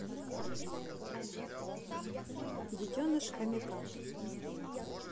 детеныш хомяка